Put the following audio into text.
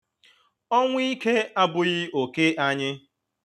Ọnwụ ike abụghị oke anyị.